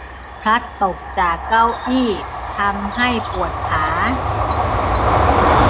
พลัดตกจากเก้าอี้ทำให้ปวดขา